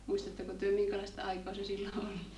muistatteko te minkälaista aikaa se silloin oli